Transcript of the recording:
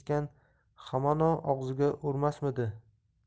gapini eshitgan hamono og'ziga urmasmidi